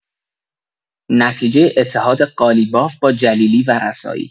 نتیجه اتحاد قالیباف با جلیلی و رسایی